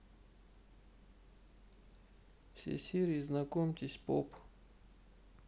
все серии знакомьтесь поп